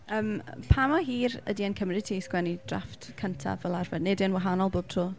Yym pa mor hir ydy e'n cymryd i ti sgwennu drafft cyntaf fel arfer, neu ydy e'n wahanol bob tro?